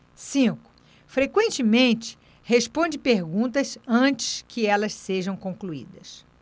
cinco frequentemente responde perguntas antes que elas sejam concluídas